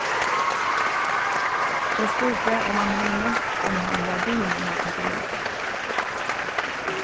eg spurdi um hann hevði møtt um hann var biðin um at taka lut